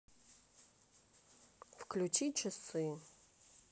включи часы